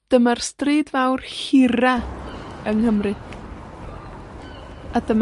Dyma'r stryd fawr hire yng Nghymru. A dyma'r